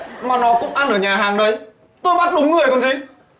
mà nó cũng ăn ở nhà hàng đấy tôi bắt đúng người rồi còn gì